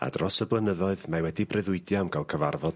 ...a dros y blynyddoedd mae wedi breuddwydio am gael cyfarfod...